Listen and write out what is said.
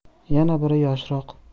yana biri yoshroq